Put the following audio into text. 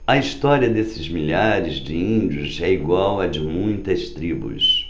a história desses milhares de índios é igual à de muitas tribos